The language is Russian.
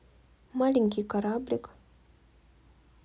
маленький кораблик